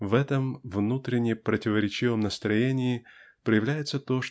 В этом внутренне противоречивом настроении проявляется то